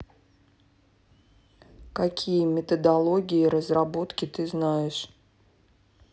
какие методологии разработки ты знаешь